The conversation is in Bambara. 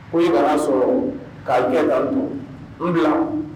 Ko ye nana sɔrɔ k'a gɛn ladon i bila